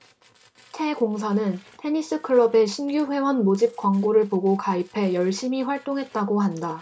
태 공사는 테니스 클럽의 신규 회원 모집 광고를 보고 가입해 열심히 활동했다고 한다